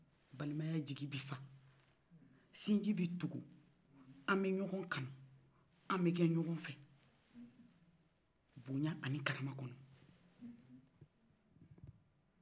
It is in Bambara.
balimaya jigi bɛfa sinji bɛ tugu an bɛ ɲɔngɔ kanu an bɛ kɛ ɲɔngɔn fɛ bɔɲan ani karamkɔnɔ